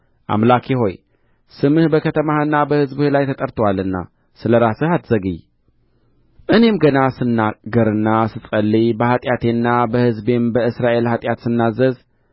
አምላኬ ሆይ ስምህ በከተማህና በሕዝብህ ላይ ተጠርቶአልና ስለ ራስህ አትዘግይ እኔም ገና ስናገር ስጸልይ በኃጢአቴና በሕዝቤም በእስራኤል ኃጢአት ስናዘዝ